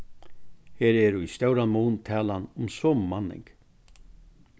her er í stóran mun talan um somu manning